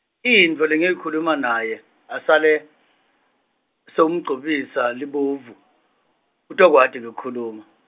intfo lengiyoyikhuluma naye, asale, sewumugcobisa libovu , utokwati kukhuluma.